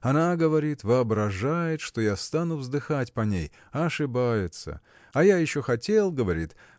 Она, говорит, воображает, что я стану вздыхать по ней, – ошибается! А я еще хотел говорит